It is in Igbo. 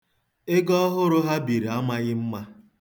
Ego ọhụrụ ha biri amaghị mma.